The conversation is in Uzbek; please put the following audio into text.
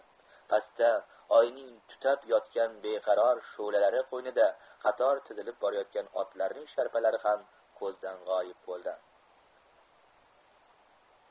pastda oyning tutab yotgan beqaror shulalari qo'ynida qator tizilib borayotgan otlarning sharpalari ham ko'zdan g'oyib bo'ldi